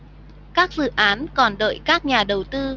các dự án còn đợi các nhà đầu tư